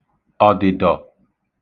ọ̀dị̀dọ̀